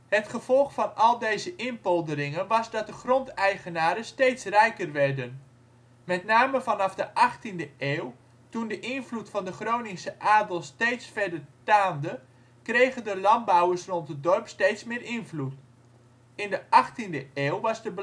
Het gevolg van al deze inpolderingen was dat de grondeigenaren steeds rijker werden. Met name vanaf de 18e eeuw, toen de invloed van de Groningse adel steeds verder taande kregen de landbouwers rond het dorp steeds meer invloed. In de 18e eeuw was de belangrijkste